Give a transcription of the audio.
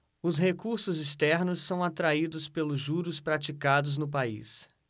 os recursos externos são atraídos pelos juros praticados no país